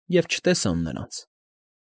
Եվ չտեսան նրանց։